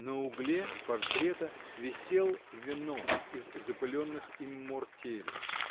На угле портрета висел венок из запыленных иммортелей.